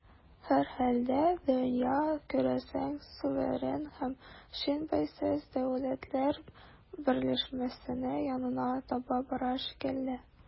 Һәрхәлдә, дөнья, күрәсең, суверен һәм чын бәйсез дәүләтләр берләшмәсенә янына таба бара шикелле.